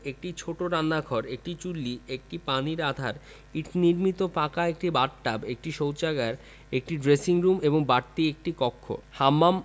একটি ছোট রান্নাঘর একটি চুল্লী একটি পানির আধার ইট নির্মিত পাকা একটি বাথ টাব একটি শৌচাগার একটি ড্রেসিং রুম এবং বাড়তি একটি কক্ষ হাম্মাম